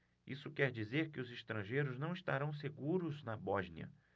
isso quer dizer que os estrangeiros não estarão seguros na bósnia